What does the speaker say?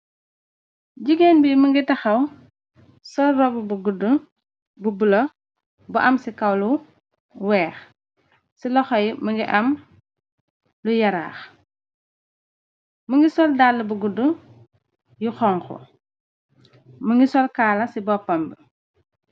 Jigeen bi mi ngi taxaw, sol rob bu gudd, bu bula, bu am ci kawlu weex, ci loxey mi ngi am lu yaraax, më ngi sol dàll bu gudd, yu xonku, mi ngi sol kaala ci boppamb.